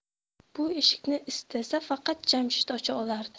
bu eshikni istasa faqat jamshid ocha olardi